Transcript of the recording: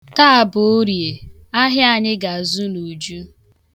Taa bụ Orie, ahịa anyị ga-azụ n'uju.